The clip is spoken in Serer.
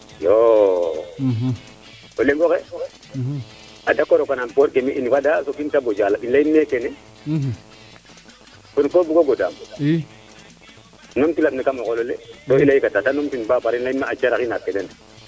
iyoo o lengoxe a dako rokana ngoor kemi in fada soɓin te boja laɓ im leyne kene kon ko bugo godaam num ti laɓne kamo xurole ke i leykata te num tin ba pare im leyin me aca raxi naak ke